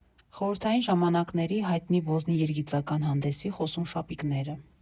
Խորհրդային ժամանակների հայտնի «Ոզնի» երգիծական հանդեսի խոսուն շապիկները։